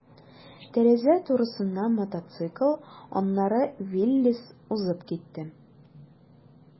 Тәрәзә турысыннан мотоцикл, аннары «Виллис» узып китте.